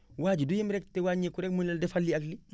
waa ji du yem rek ci wàññeeku rek mu ne la defal lii ak lii